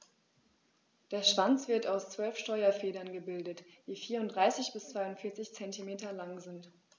Der Schwanz wird aus 12 Steuerfedern gebildet, die 34 bis 42 cm lang sind.